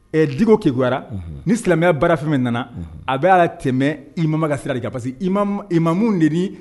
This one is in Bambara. Ɛɛ Diko kegunyara ni silamɛya bara fɛn o fɛn nana a bɛ a tɛmɛ IMAMA ka sira de kan parce que IMAMA imamuw de ni